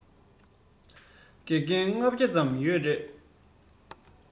དགེ རྒན ༥༠༠ ཙམ ཡོད རེད